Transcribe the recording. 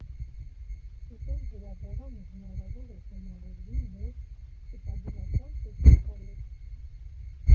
Իսկ շուտով Գրադարանը հնարավոր է համալրվի նոր տպագրական տեխնիկայով։